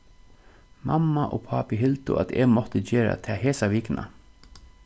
mamma og pápi hildu at eg mátti gera tað hesa vikuna